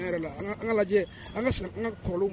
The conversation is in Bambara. Tiɲɛ yɛrɛ la an ka lajɛ, an ka segin an ka kɔrɔlenw ma.